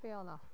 Be oedd o?